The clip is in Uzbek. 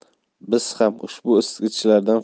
biz ham ushbu isitgichlardan